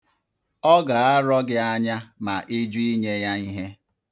Ọ ga-arọ gị anya ma ịjụ inye ya ihe.